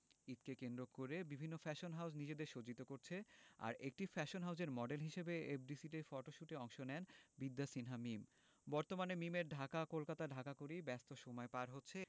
ঈদকে কেন্দ্র করে বিভিন্ন ফ্যাশন হাউজ নিজেদের সজ্জিত করছে আর একটি ফ্যাশন হাউজের মডেল হিসেবে এফডিসি তে ফটোশ্যুটে অংশ নেন বিদ্যা সিনহা মীম বর্তমানে মিমের ঢাকা কলকাতা ঢাকা করেই ব্যস্ত সময় পার হচ্ছে